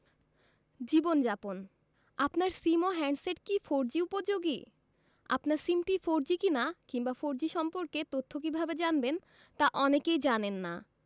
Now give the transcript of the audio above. জীবনযাপন আপনার সিম ও হ্যান্ডসেট কি ফোরজি উপযোগী আপনার সিমটি ফোরজি কিনা কিংবা ফোরজি সম্পর্কে তথ্য কীভাবে জানবেন তা অনেকেই জানেন না